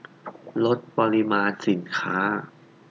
ลดปริมาณสินค้า